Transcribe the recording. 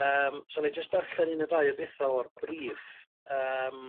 yym so nai jyst darllen un y ddau o betha o'r briff